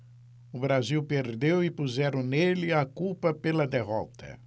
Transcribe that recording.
o brasil perdeu e puseram nele a culpa pela derrota